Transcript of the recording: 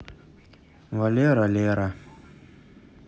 валера лера